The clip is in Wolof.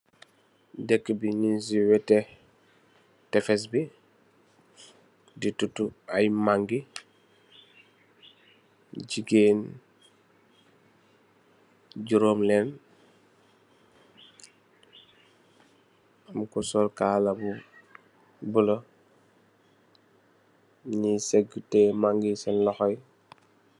Dekke bi nyun si wetu tefes bi, di tuddu ay mange, jigeen juroom leenj, am ku sol kaala bu bula, nyi sagg tiye mange yi sen loxo yi.